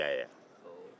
i y'a ye wa